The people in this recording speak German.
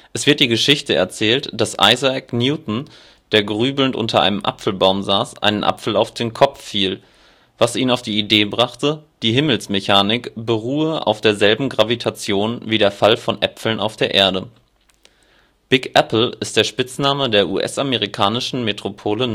Es wird die Geschichte erzählt, dass Isaac Newton, der grübelnd unter einem Apfelbaum saß, ein Apfel auf den Kopf fiel, was ihn auf die Idee brachte, die Himmelsmechanik beruhe auf derselben Gravitation wie der Fall von Äpfeln auf der Erde. Big Apple ist der Spitzname der US-amerikanischen Metropole